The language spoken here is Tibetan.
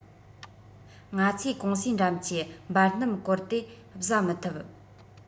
ང ཚོའི ཀུང སིའི འགྲམ གྱི འབར སྣུམ གོར དེ བཟའ མི ཐུབ